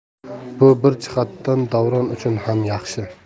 bu bir jihatdan davron uchun ham yaxshi